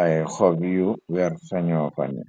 ay xob yu wer sañoo fa ne